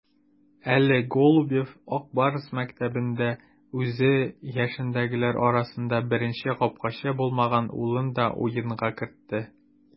Әле Голубев "Ак Барс" мәктәбендә үз яшендәгеләр арасында беренче капкачы булмаган улын да уенга кертте.